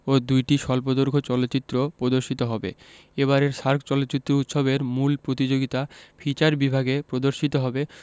ও ২টি স্বল্পদৈর্ঘ্য চলচ্চিত্র প্রদর্শিত হবে এবারের সার্ক চলচ্চিত্র উৎসবের মূল প্রতিযোগিতা ফিচার বিভাগে প্রদর্শিত হবে